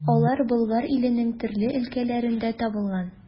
Алар Болгар иленең төрле өлкәләрендә табылган.